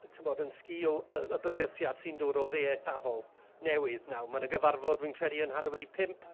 timod yn sgil y y bygythiad sy'n dod o dde eithafol newydd nawr. Ma' 'na gyfarfod, wi'n credu yn hanner wedi pump